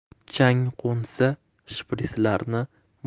chang qo'nsa shprislarni